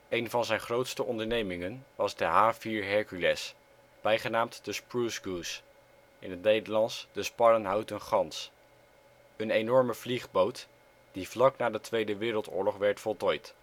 Een van zijn grootste ondernemingen was de H-4 Hercules, bijgenaamd de Spruce Goose (" de sparrenhouten gans "), een enorme vliegboot die vlak na de Tweede Wereldoorlog werd voltooid